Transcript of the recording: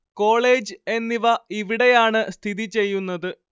college എന്നിവ ഇവിടെയാണ് സ്ഥിതി ചെയ്യുന്നത്